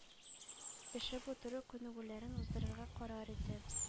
Төшеп утыру күнегүләрен уздырырга карар итә.